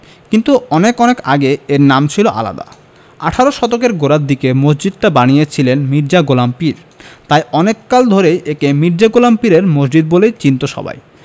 কিন্তু অনেক অনেক আগে এর নাম ছিল আলাদা আঠারো শতকের গোড়ার দিকে মসজিদটা বানিয়েছিলেন মির্জা গোলাম পীর তাই অনেক কাল ধরে একে মির্জা গোলাম পীরের মসজিদ বলেই চিনতো সবাই